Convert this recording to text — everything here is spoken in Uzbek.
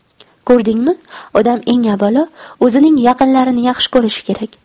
ko'rdingmi odam eng avvalo o'zining yaqinlarini yaxshi ko'rishi kerak